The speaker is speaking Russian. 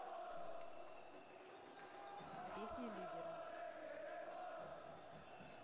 песня лидера